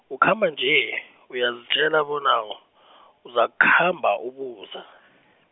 ukhamba nje, uyazitjela bona , uzakukhamba abuza .